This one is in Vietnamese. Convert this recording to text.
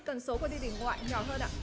tần số của tia tử ngoại nhỏ hơn ạ